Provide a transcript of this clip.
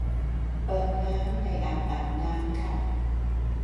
เปิดน้ำในอ่างอาบน้ำค่ะ